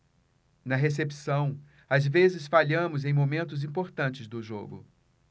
na recepção às vezes falhamos em momentos importantes do jogo